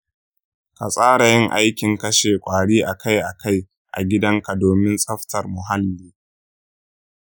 ka tsara yin aikin kashe kwari a kai-a kai a gidanka domin tsaftar muhalli.